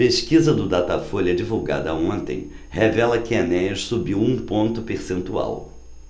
pesquisa do datafolha divulgada ontem revela que enéas subiu um ponto percentual